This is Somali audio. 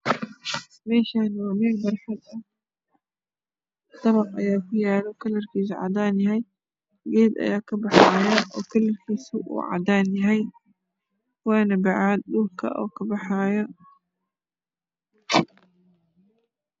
Meeshaan waa meel barxad ah dabaq ayaa kuyaalo cadaan ah. Geed ayaa kabaxaayo oo cadaan ah dhulkana waa bacaad.